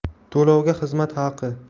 to'lovga xizmat haqi